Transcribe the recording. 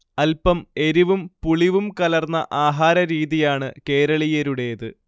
അല്പം എരിവും പുളിവും കലർന്ന ആഹാരരീതിയാണ് കേരളീയരുടേത്